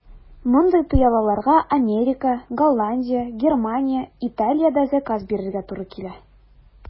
Мондый пыялаларга Америка, Голландия, Германия, Италиядә заказ бирергә туры килә.